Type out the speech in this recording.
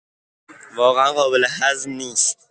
واقعا قابل‌هضم نیست!